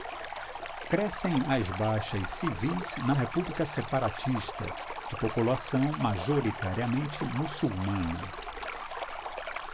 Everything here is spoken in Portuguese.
crescem as baixas civis na república separatista de população majoritariamente muçulmana